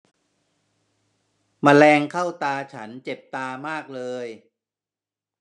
แมลงเข้าตาฉันเจ็บตามากเลย